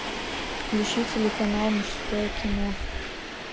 включи телеканал мужское кино